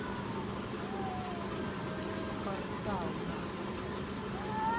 portal нахуй